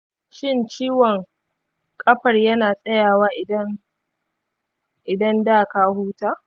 shin ciwon ƙafar yana tsayawa idan da ka huta?